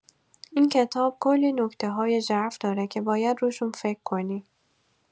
این کتاب کلی نکته‌های ژرف داره که باید روشون فکر کنی.